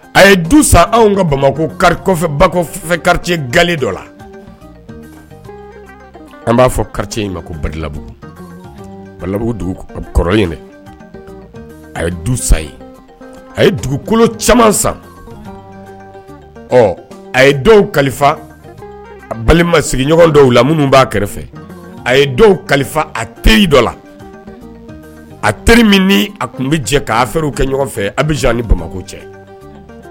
A ye du san anw ka bamakɔ ba kari ga dɔ la an b'a fɔ kari in ma ko babugu babugu kɔrɔ in a ye du san ye a ye dugukolo caman san ɔ a ye kalifa a balima sigiɲɔgɔn dɔw la minnu b'a kɛrɛfɛ a ye kalifa a teri dɔ la a teri min ni a tun bɛ jɛ k'a fɛrw kɛ ɲɔgɔn fɛ aw bɛ z ni bamakɔ cɛ